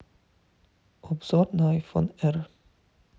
обзор на айфон р